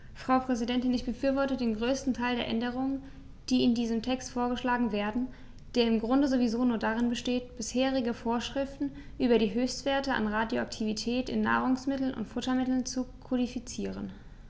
Frau Präsidentin, ich befürworte den größten Teil der Änderungen, die in diesem Text vorgeschlagen werden, der im Grunde sowieso nur darin besteht, bisherige Vorschriften über die Höchstwerte an Radioaktivität in Nahrungsmitteln und Futtermitteln zu kodifizieren.